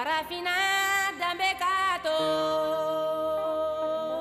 Farafinna danbe k'a too